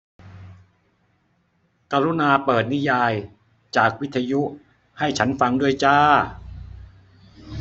กรุณาเปิดนิยามจากวิทยุให้ฉันฟังด้วยจ้า